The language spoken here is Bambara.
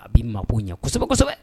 A bɛ mabɔ ɲɛ kosɛbɛsɛbɛ